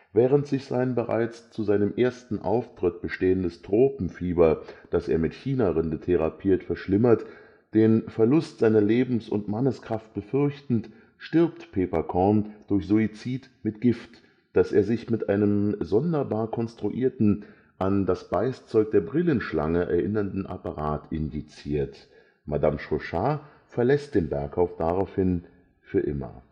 Während sich sein bereits zu seinem ersten Auftritt bestehendes Tropenfieber, das er mit Chinarinde therapiert, verschlimmert, den Verlust seiner Lebens - und Manneskraft befürchtend, stirbt Peeperkorn durch Suizid mit Gift, das er sich mit einem sonderbar konstruierten, an „ das Beißzeug der Brillenschlange “erinnernden Apparat injiziert. Madame Chauchat verlässt den Berghof daraufhin für immer